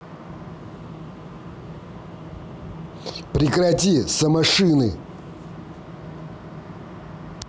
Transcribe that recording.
прекрати самошины